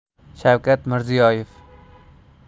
shavkat mirziyoyev